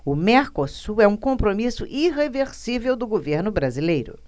o mercosul é um compromisso irreversível do governo brasileiro